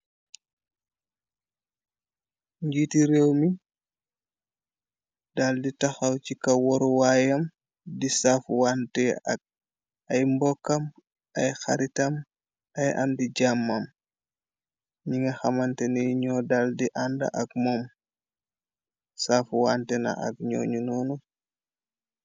Njiiti réew mi dal di taxaw ci ka waruwaayam di saafuwante ak ay mbokkam ay xaritam ay amdi jàmam ñi nga xamante ni ñoo dal di ànda ak moom saafuwante na ak ñoo ñu noonu.